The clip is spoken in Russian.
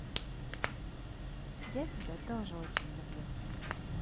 я тебя тоже очень люблю